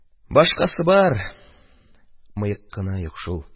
Башкасы бар, мыек кына юк шул.